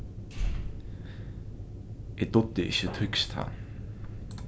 eg dugdi ikki týskt tá